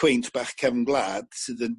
quaint bach cefn gwlad sydd yn